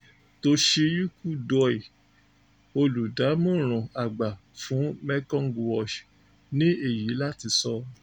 Toshiyuki Doi, olùdámọ̀ràn àgbà fún Mekong Watch, ní èyí láti sọ: